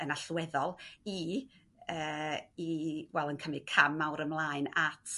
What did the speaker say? yn allweddol i yy i wel yn cymryd cam mawr ymlaen at